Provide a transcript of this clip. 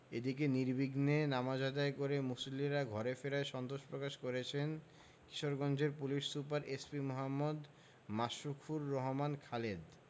এদিকে নির্বিঘ্নে নামাজ আদায় করে মুসল্লিরা ঘরে ফেরায় সন্তোষ প্রকাশ করেছেন কিশোরগঞ্জের police super SP Md. Mashrukur Rahman Khaled